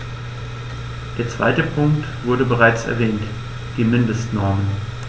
Der zweite Punkt wurde bereits erwähnt: die Mindestnormen.